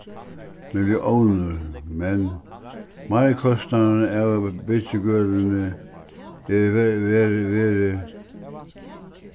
milliónir men meirkostnaðurin av byggigøluni